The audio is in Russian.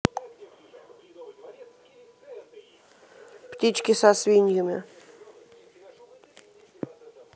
птички со свиньями